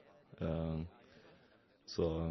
Så...